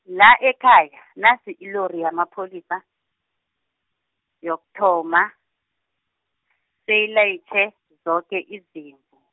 la ekhaya, nasi ilori yamapholisa, yokuthoma, seyilayitjhe, zoke izimvu.